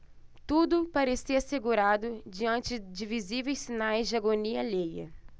tudo parecia assegurado diante de visíveis sinais de agonia alheia